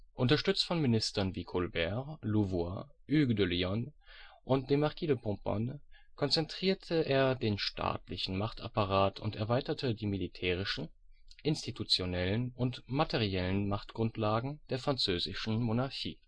Unterstützt von Ministern wie Colbert, Louvois, Hugues de Lionne und dem Marquis de Pomponne konzentrierte er den staatlichen Machtapparat und erweiterte die militärischen, institutionellen und materiellen Machtgrundlagen der französischen Monarchie